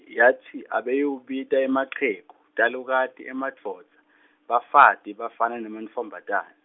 yatsi, abayewubita emachegu, talukati, emadvodza, bafati, bafana nemantfombatana.